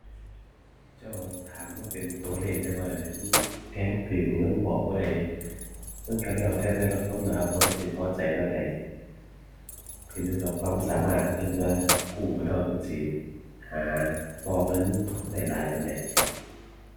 เจ้าถามมาเป็นตัวเลขได้บ่ เดี๋ยวนี้มัน แพง ตัว นี่มันบอกบ่ได้เดะ มันตัวแล้วแต่ แต่ละคนล่ะครับ ว่าเพิ่นสิพอใจส่ำใด ขึ้นอยู่กับความสามารถเพิ่นว่า กู้แล้วเพิ่นสิหาต่อเงินได้หลายปานใด